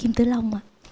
kim tử long ạ